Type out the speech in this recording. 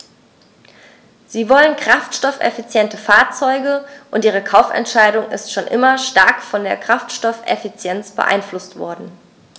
Sie wollen kraftstoffeffiziente Fahrzeuge, und ihre Kaufentscheidung ist schon immer stark von der Kraftstoffeffizienz beeinflusst worden.